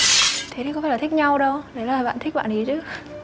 thế đấy có phải là thích nhau đâu đấy là bạn thích bạn ý chứ